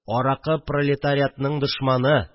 Аракы – пролетариатның дошманы